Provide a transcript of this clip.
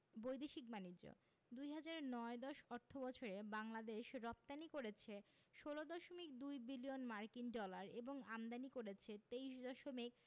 বৈদেশিক বাণিজ্যঃ ২০০৯ ১০ অর্থবছরে বাংলাদেশ রপ্তানি করেছে ১৬দশমিক ২ বিলিয়ন মার্কিন ডলার এবং আমদানি করেছে ২৩দশমিক